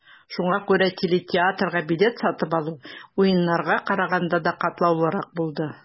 Шуңа күрә телетеатрга билет сатып алу, Уеннарга караганда да катлаулырак булды.